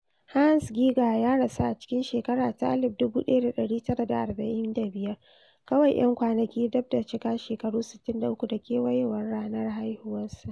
"Hans" Geiger ya rasu a cikin shekara ta 1945, kawai ‘yan kwanaki dab da cika shekaru 63 da kewayowar ranar haihuwarsa.